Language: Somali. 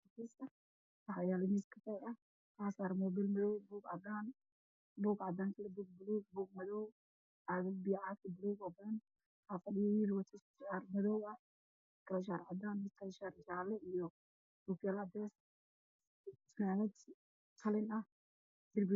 Meshaan waxaa yaalo miis kafee ah waxaa saran buug cadaan ah iyo qalin buluug ah